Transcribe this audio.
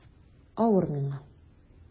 Авыр миңа...